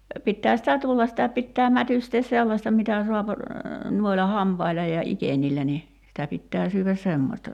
no pitää sitä tulla sitä pitää mätystää sellaista mitä saa noilla hampailla ja ikenillä niin sitä pitää syödä semmoista